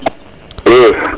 i